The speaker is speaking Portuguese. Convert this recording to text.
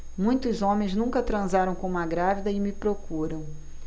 muitos homens nunca transaram com uma grávida e me procuram